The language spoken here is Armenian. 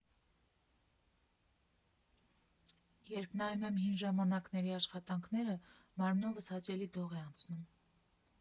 Երբ նայում եմ հին ժամանակների աշխատանքները, մարմնովս հաճելի դող է անցնում.